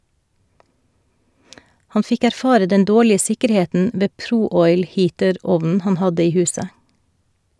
Han fikk erfare den dårlige sikkerheten ved Pro Oil Heater-ovnen han hadde i huset.